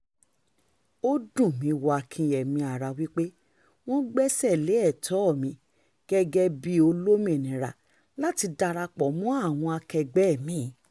Ó dùn mí wọ akínyẹmí ara wípé wọ́n gbẹ́sẹ̀ lé ẹ̀tọ́ọ mi gẹ́gẹ́ bí olómìnira láti darapọ̀ mọ́ àwọn akẹgbẹ́ẹ̀ mi.